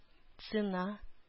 Цена